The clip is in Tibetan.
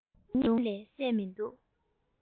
ད དུང གཉིད ལས སད མི འདུག